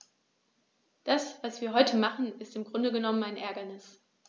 Das, was wir heute machen, ist im Grunde genommen ein Ärgernis.